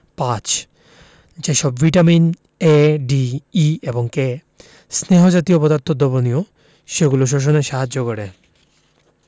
৫. যে সব vitamin A D E এবং K স্নেহ জাতীয় পদার্থ দ্রবণীয় সেগুলো শোষণে সাহায্য করে